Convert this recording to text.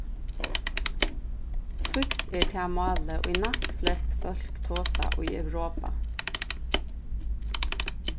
týskt er tað málið ið næstflest fólk tosa í europa